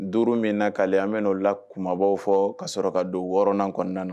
Duuru min lakalen, an bɛna o kunbabaw fɔ ,ka sɔrɔ ka don wɔɔrɔnn kɔnɔna la.